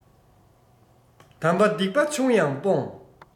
དམ པ སྡིག པ ཆུང ཡང སྤོང